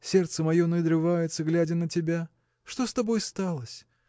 Сердце мое надрывается, глядя на тебя. Что с тобой сталось?